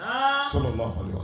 Sun